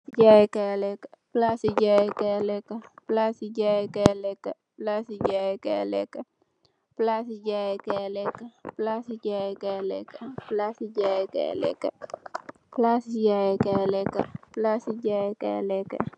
Palasi jayèh Kay lekka.